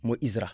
mooy ISRA